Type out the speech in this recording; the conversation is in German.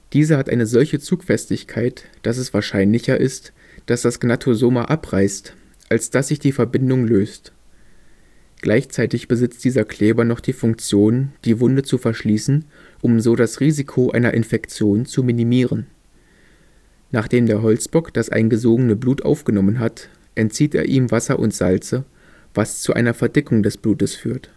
Diese hat eine solche Zugfestigkeit, dass es wahrscheinlicher ist, dass das Gnathosoma abreißt, als dass sich die Verbindung löst. Gleichzeitig besitzt dieser Kleber noch die Funktion, die Wunde zu verschließen, um so das Risiko einer Infektion zu minimieren. Nachdem der Holzbock das eingesogene Blut aufgenommen hat, entzieht er ihm Wasser und Salze, was zu einer Verdickung des Blutes führt